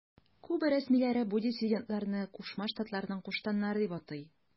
Куба рәсмиләре бу диссидентларны Кушма Штатларның куштаннары дип атый.